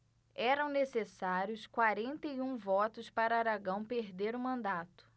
eram necessários quarenta e um votos para aragão perder o mandato